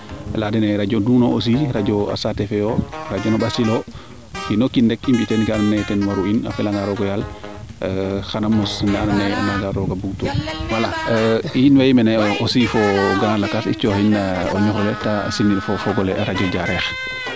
leya dene radio nuun o aussi radio sate feeyo si non o kiino kiin rek a mbi teen no ke ando naye ten waru in a fiya ngaan rek xan mos ne ando nnaye naaga roog a bug tu wala in way mene aussi fo grand lakas i cooxin o ñuxrele te simin fo o radio Diarekh